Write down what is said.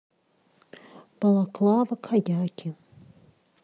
балаклава каяки